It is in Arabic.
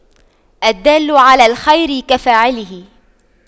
الدال على الخير كفاعله